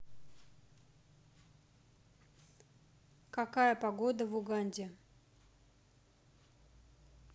какая погода в уганде